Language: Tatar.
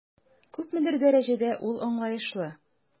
Күпмедер дәрәҗәдә ул аңлаешлы.